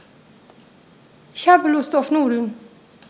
Ich habe Lust auf Nudeln.